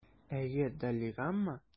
Әйе, Доллигамы?